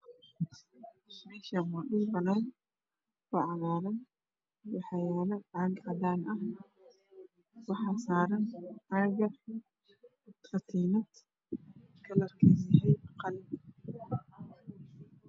Meeshaan waa dhul banaan oo cagaaran waxaa yaalo caag cadaan ah waxaa saaran caaga katiinad kalarkeedu yahay qalin